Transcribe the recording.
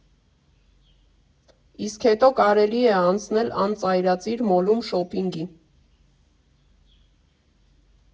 Իսկ հետո կարելի է անցնել անծայրածիր մոլում շոփինգի։